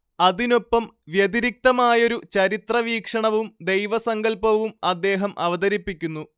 അതിനൊപ്പം വ്യതിരിക്തമായൊരു ചരിത്രവീക്ഷണവും ദൈവസങ്കല്പവും അദ്ദേഹം അവതരിപ്പിക്കുന്നു